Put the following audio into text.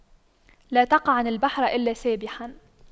لا تقعن البحر إلا سابحا